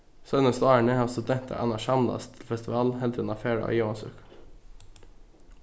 seinastu árini hava studentar annars samlast til festival heldur enn at fara á jóansøku